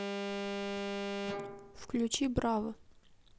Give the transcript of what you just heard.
включи браво